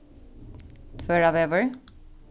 tvørávegur